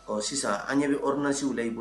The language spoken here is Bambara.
Ɔ sisan an ɲɛ bɛ rsi layi bɔ